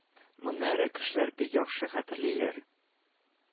Моны әле кешеләр бик яхшы хәтерлиләр.